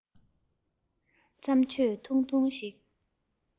བཙམས ཆོས ཐུང ཐུང ཞིག